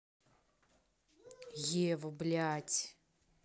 ева блядь